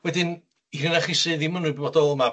Wedyn, i rhei onoch chi sy ddim yn wybodol 'ma...